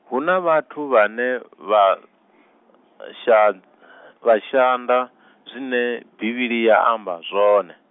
huna vhathu vhane, vha, sha- , vha shanda, zwine, Bivhili ya amba zwone.